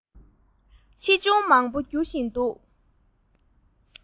ཆེ ཆུང མང པོ རྒྱུ བཞིན འདུག